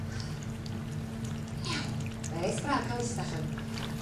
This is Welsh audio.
Diew mae reit braf ca'l ista 'chan.